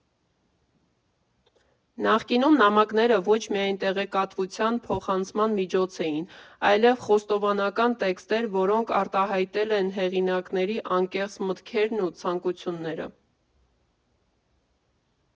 Նախկինում նամակները ոչ միայն տեղեկատվության փոխանցման միջոց էին, այլև խոստովանական տեքստեր, որոնք արտահայտել են հեղինակների անկեղծ մտքերն ու ցանկությունները։